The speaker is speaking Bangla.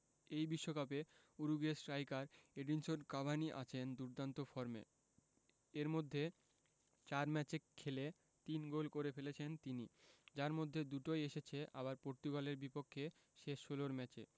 এই বিশ্বকাপে উরুগুয়ের স্ট্রাইকার এডিনসন কাভানি আছেন দুর্দান্ত ফর্মে এর মধ্যে ৪ ম্যাচে খেলে ৩ গোল করে ফেলেছেন তিনি যার মধ্যে দুটোই এসেছে আবার পর্তুগালের বিপক্ষে শেষ ষোলোর ম্যাচে